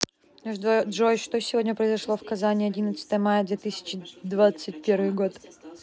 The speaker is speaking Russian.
джой что сегодня произошло в казани одиннадцатое мая две тысячи двадцать первый год